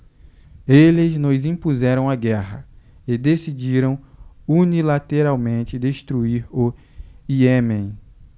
eles nos impuseram a guerra e decidiram unilateralmente destruir o iêmen